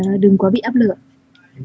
đừng có bị áp lực